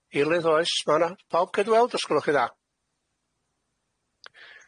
Eilydd oes, ma' 'na pawb cydweld, os gwelwch chi'n dda.